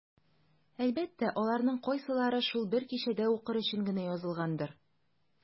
Әлбәттә, аларның кайсылары шул бер кичәдә укыр өчен генә язылгандыр.